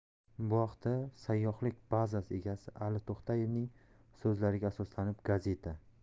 bu haqda sayyohlik bazasi egasi ali to'xtayevning so'zlariga asoslanib gazeta